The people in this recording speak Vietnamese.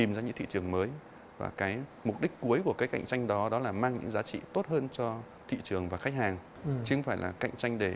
tìm ra những thị trường mới và cái mục đích cuối của cái cạnh tranh đó đó là mang những giá trị tốt hơn cho thị trường và khách hàng chứ không phải là cạnh tranh để